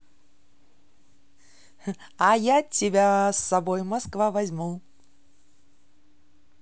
а я тебя с собой москва возьму